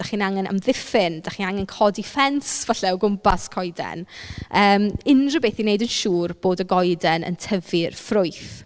Dach chi'n angen amddiffyn. Dach chi'n angen codi ffens falle o gwmpas coeden yym unrhyw beth i wneud yn siŵr bod y goeden yn tyfu'r ffrwyth.